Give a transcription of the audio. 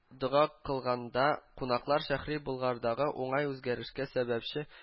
Дога кылганда кунаклар шәһри болгардагы уңай үзгәрешкә сәбәпче